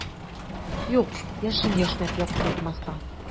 Юк, яшен яшьнәп яктыртмаса.